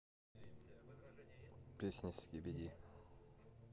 песня skibidi